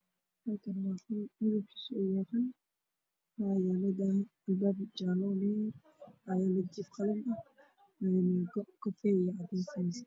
Qol jiif ah waxaa yaalo sariir